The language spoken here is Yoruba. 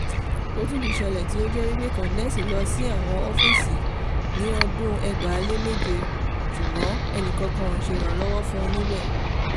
Ó tún ti sẹlẹ̀ tí ó jẹ́ pé Kondesi lọ sí àwọn ọ́fíìsì MACRA ní ọdún 2007, ṣùgbọ́n ẹnìkankan kò ṣe ìrànlọ́wọ́ fún un níbẹ̀.